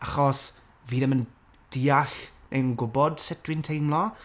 achos, fi ddim yn deall, neu'n gwbod sut dwi'n teimlo?